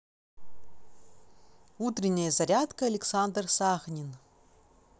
утренняя зарядка александр сахнин